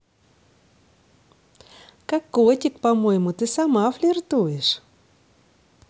как котик по моему ты сама флиртуешь